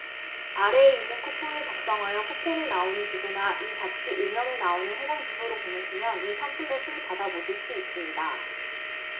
아래에 있는 쿠폰을 작성하여 쿠폰에 나오는 주소나 이 잡지 오 면에 나오는 해당 주소로 보내시면 이 팜플렛을 받아 보실 수 있습니다